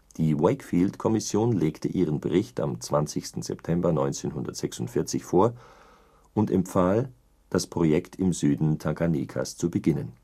Die Wakefield-Kommission legte ihren Bericht am 20. September 1946 vor und empfahl, das Projekt im Süden Tanganyikas zu beginnen